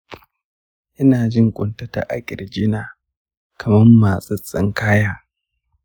ina jin ƙuntata a ƙirji na kaman matsattsen kaya.